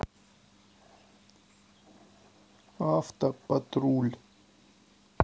авто патруль